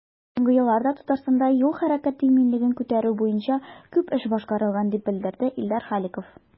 Соңгы елларда Татарстанда юл хәрәкәте иминлеген күтәрү буенча күп эш башкарылган, дип белдерде Илдар Халиков.